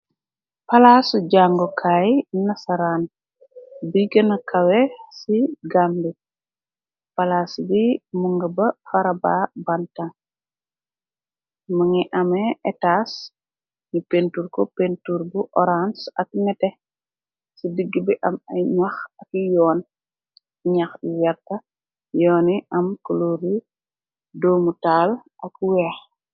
Palaasu jàngokaay nasaraan, bi gëna kawe ci Gàmbi, palaas bi mu nga ba Faraba bantan, më ngi ame etaas ñu pentur ku pentur bu orange ak nete, ci digg bi am ay ñax ak yoon, ñax yi werta, yoon yi am kulori doomutaal ak weex.